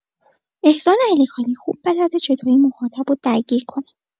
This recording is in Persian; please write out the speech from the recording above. احسان علیخانی خوب بلده چطوری مخاطبو درگیر کنه.